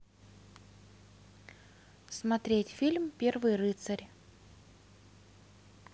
смотреть фильм первый рыцарь